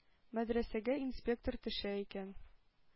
Мәдрәсәгә инспектор төшә икән,